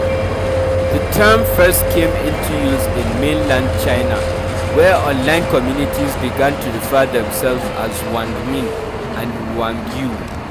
The term first came into use in mainland China, where online communities began to refer to themselves as wǎngmín (网民, literally “net-citizen”) and wǎngyǒu (网友, literally “net-friend”).